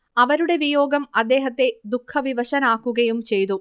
അവരുടെ വിയോഗം അദ്ദേഹത്തെ ദുഃഖവിവശനാക്കുകയും ചെയ്തു